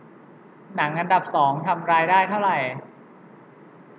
หนังอันดับสองทำรายได้เท่าไหร่